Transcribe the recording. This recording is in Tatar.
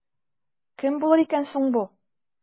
Кем булыр икән соң бу?